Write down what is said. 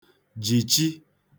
jìchi